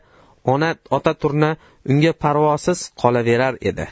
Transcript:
ota turna unga parvosiz qolaverar edi